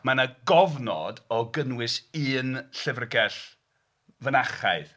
Mae 'na gofnod o gynnwys un llyfrgell fynachaidd.